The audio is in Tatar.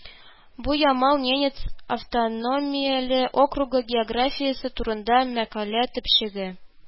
Бу Ямал-Ненец автономияле округы географиясе турында мәкалә төпчеге